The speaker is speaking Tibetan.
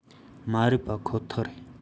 མ རེད པ ཁོ ཐག རེད